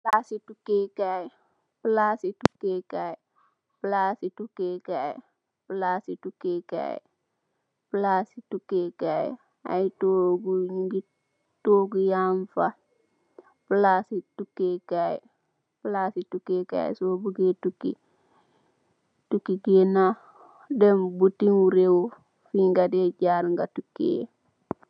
Palasi tukéé Kai, só buggeh gena tukki fi nga deh jarr tukki.